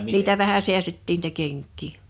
niitä vähän säästettiin niitä kenkiä